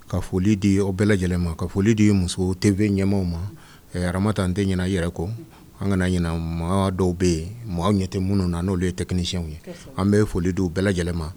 Ka foli di o bɛɛ yɛlɛma ka foli di muso tefɛn ɲɛmaw ma ara an tɛ ɲɛna yɛrɛ kɔ an kana ɲin maa dɔw bɛ yen maaw ɲɛ tɛ minnu na n'o ye tɛkyɛnw ye an bɛ foli di bɛɛ yɛlɛma